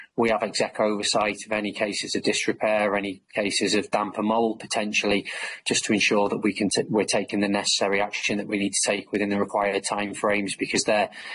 we have exec oversight of any cases of disrepair or any cases of damp and mould potentially, just to ensure that we can t- we're taking the necessary action that we need to take within the required time frames because they're